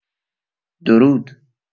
درود.